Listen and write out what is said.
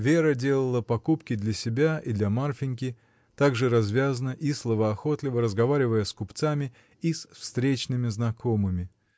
Вера делала покупки для себя и для Марфиньки, также развязно и словоохотливо разговаривая с купцами и с встречными знакомыми.